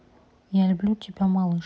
я люблю тебя малыш